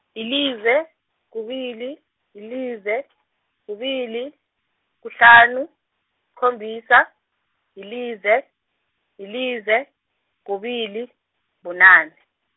yilize, kubili, yilize, kubili, kuhlanu, sikhombisa, yilize, yilize, kubili, bunane.